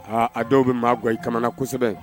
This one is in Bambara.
Aa a dɔw be maa guwa i kamana kosɛbɛ